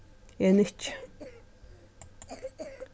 eg nikki